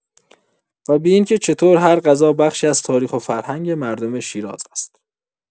و به اینکه چطور هر غذا بخشی از تاریخ و فرهنگ مردم شیراز است.